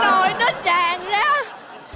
nồi nó tràn ra